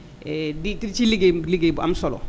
di ci liggéey bi liggéey bu am solo